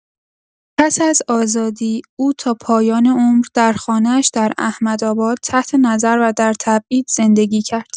پس از آزادی، او تا پایان عمر در خانه‌اش در احمدآباد تحت نظر و در تبعید زندگی کرد.